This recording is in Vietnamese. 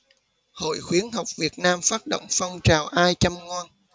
hội khuyến học việt nam phát động phong trào ai chăm ngoan